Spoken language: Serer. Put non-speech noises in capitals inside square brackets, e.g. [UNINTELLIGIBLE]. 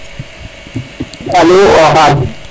Alo [UNINTELLIGIBLE]